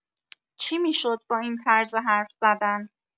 چی می‌شد با این طرز حرف‌زدن؟